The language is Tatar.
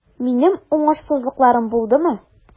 Минем уңышсызлыкларым булдымы?